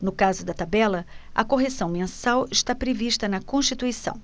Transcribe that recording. no caso da tabela a correção mensal está prevista na constituição